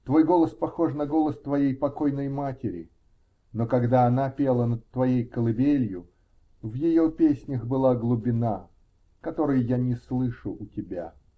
Твой голос похож на голос твоей покойной матери, но когда она пела над твоей колыбелью, в ее песнях была глубина, которой я не слышу у тебя.